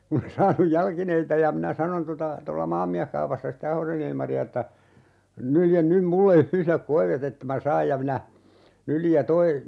kun en saanut jalkineita ja minä sanoin tuota tuolla Maamieskaupassa sitten Ahosen Ilmaria että nylje nyt minulle yhdet koivet että minä saan ja minä nyljin ja tuo